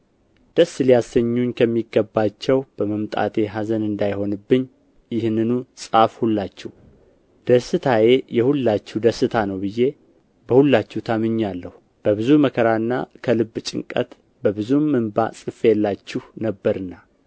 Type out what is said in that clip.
ደስ ሊያሰኙኝ ከሚገባቸውም በመምጣቴ ኀዘን እንዳይሆንብኝ ይህንኑ ጻፍሁላችሁ ደስታዬ የሁላችሁ ደስታ ነው ብዬ በሁላችሁ ታምኜአለሁና በብዙ መከራና ከልብ ጭንቀት በብዙም እንባ ጽፌላችሁ ነበርና